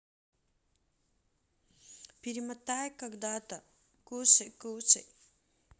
перемотай когда то кушай кушай